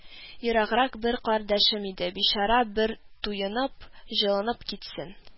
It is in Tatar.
– ераграк бер кардәшем иде, бичара бер туенып, җылынып китсен